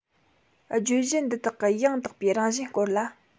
བརྗོད གཞི འདི དག གི ཡང དག པའི རང བཞིན སྐོར ལ